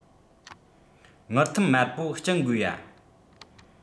དངུལ ཐུམ དམར པོ སྦྱིན དགོས ཡ